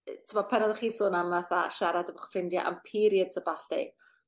Yy t'mod pan oddach chi'n sôn am fatha siarad efo'ch ffrindia am periods a ballu